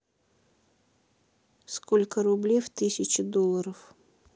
сколько рублей в тысяче долларов